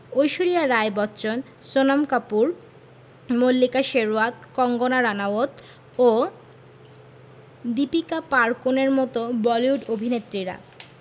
ঐশ্বরিয়া রাই বচ্চন সোনম কাপুর মল্লিকা শেরওয়াত কঙ্গনা রানাউত ও দীপিকা পাড়–কোনের মতো বলিউড অভিনেত্রীরা